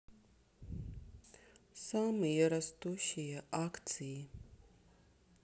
самые растущие акции